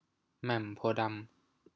แหม่มโพธิ์ดำ